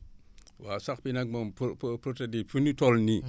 waa sax bi nag moom pour pour pour te dire fi ñu toll nii